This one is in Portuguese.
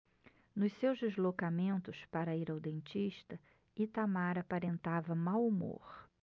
nos seus deslocamentos para ir ao dentista itamar aparentava mau humor